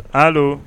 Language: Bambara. H